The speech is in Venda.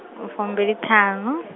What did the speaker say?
fumbiliṱhanu.